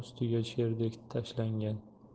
ustiga sherdek tashlangan